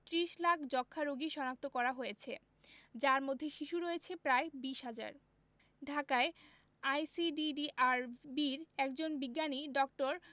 ৩০ লাখ যক্ষ্মা রোগী শনাক্ত করা হয়েছে যার মধ্যে শিশু রয়েছে প্রায় ২০ হাজার ঢাকায় আইসিডিডিআরবির একজন বিজ্ঞানী ড.